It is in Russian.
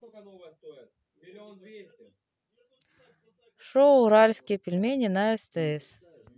шоу уральские пельмени на стс